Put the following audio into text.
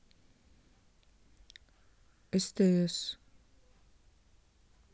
стс